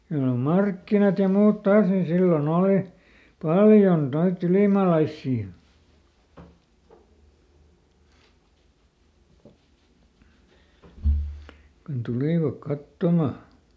ja no markkinat ja muut taas niin silloin oli paljon noita ylimaalaisia kun tulivat katsomaan